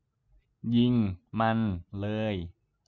ยิงมันเลย